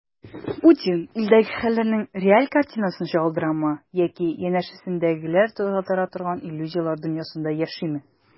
Путин илдәге хәлләрнең реаль картинасын чагылдырамы яки янәшәсендәгеләр тудыра торган иллюзияләр дөньясында яшиме?